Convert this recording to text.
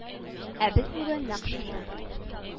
Ә без бүген нәкъ шундый